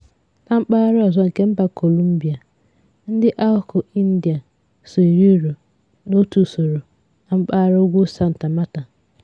Na mpaghara ọzọ nke mba Colombia, ndị Arhuaco India so eri uru n'otu usoro na mpaghara ugwu Santa Marta.